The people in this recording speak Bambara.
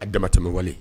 A damatɛmɛ wale